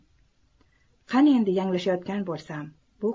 qani endi yanglishayotgan bo'lsam